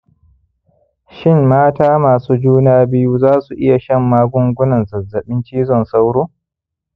shin mata masu juna biyu za su iya shan magungunan zazzabin cizon sauro